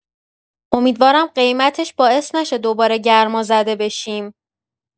امیدوارم قیمتش باعث نشه دوباره گرمازده بشیم.